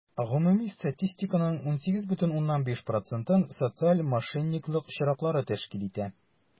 Гомуми статистиканың 18,5 процентын социаль мошенниклык очраклары тәшкил итә.